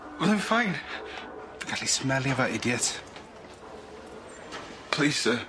O'dd o'n fine. Wi'n gallu smelio fo idiot. Please sir.